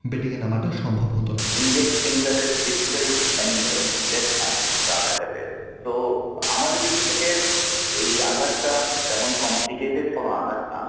সে ক্ষেত্রে ব্যাটিং এ নামাটা সম্ভব হতোনা ইন্ডেক্স সিঙ্গারের ডিসপ্লেএন্ড এ লেফট হ্যান্ড এ বামহাতে এ আঘাতটা পেয়েছে তো আমাদের দিক থেকে এই আঘাতটা তেমন কমপ্লিকেটেড কোন আঘাত না